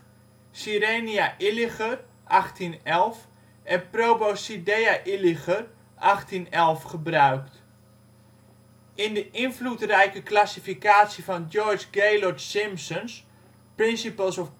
Sirenia Illiger, 1811 en Proboscidea Illiger, 1811 gebruikt. In de invloedrijke classificatie van George Gaylord Simpsons Principles of